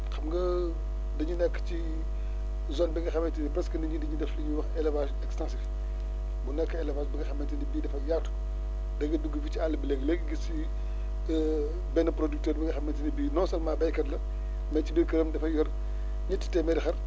xam nga dañu nekk ci zone bi nga xamante ni presque nit ñi dañuy def li ñuy wax élevage extensif mu nekk élevage bi nga xamante ne bii dafa yaatu da nga dugg fii ci àll bi léegi gis fi benn producteur bi nga xamante ne bii non seulement béykat la mais ci biir këram dafay yor ñetti téeméeri xar